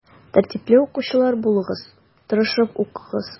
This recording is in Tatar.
Тәртипле укучылар булыгыз, тырышып укыгыз.